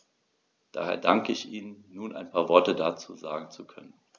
Daher danke ich Ihnen, nun ein paar Worte dazu sagen zu können.